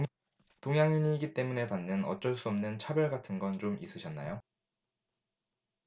동양인이기 때문에 받는 어쩔 수 없는 차별 같은 건 좀 있으셨나요